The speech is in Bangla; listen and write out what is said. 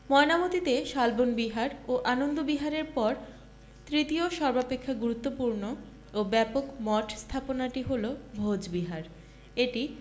ময়নামতীতে শালবন বিহার ও আনন্দ বিহারের পর তৃতীয় সর্বাপেক্ষা গুরুত্বপূর্ণ ও ব্যাপক মঠ স্থাপনাটি হলো ভোজবিহার এটি